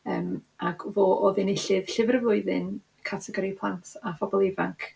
Yym ac fo oedd enillydd llyfr y flwyddyn, Categori Plant a Phobol Ifanc.